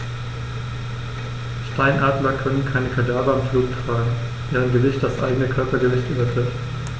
Steinadler können keine Kadaver im Flug tragen, deren Gewicht das eigene Körpergewicht übertrifft.